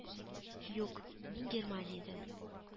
— юк, мин германиядән